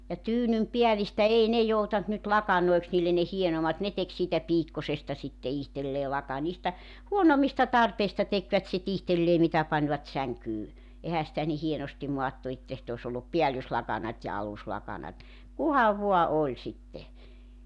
ja tyynynpäällistä ei ne joutanut nyt lakanoiksi niille ne hienommat ne teki siitä piikkoisesta sitten itselleen - niistä huonommista tarpeista tekivät sitten itselleen mitä panivat sänkyyn eihän sitä niin hienosti maattu että sitten olisi ollut päällyslakanat ja aluslakanat kunhan vain oli sitten